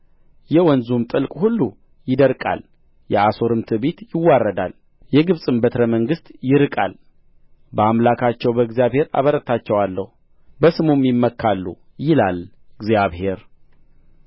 የወንዙም ጥልቅ ሁሉ ይደርቃል የአሦርም ትዕቢት ይዋረዳል የግብጽም በትረ መንግሥት ይርቃል በአምላካቸው በእግዚአብሔር አበረታቸዋለሁ በስሙም ይመካሉ ይላል እግዚአብሔር